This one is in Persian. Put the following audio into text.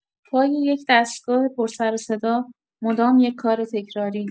پای یک دستگاه پرسروصدا، مدام یک کار تکراری.